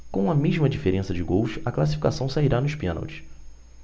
com a mesma diferença de gols a classificação sairá nos pênaltis